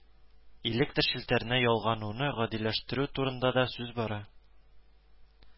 Электр челтәрләренә ялгануны гадиләштерү турында да сүз бара